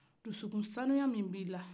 dusukun saniya min b'i la